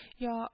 Я